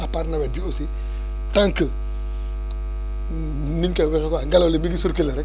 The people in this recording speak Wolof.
à part nawet bi aussi tant que nuñ koy waxee waa ngelaw li mi ngi circulé rek